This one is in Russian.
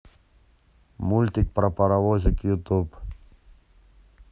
мультик про паровозик ютуб